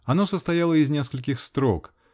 Оно состояло из нескольких строк.